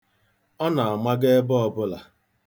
Ọ na-amaga ebe ọbụla.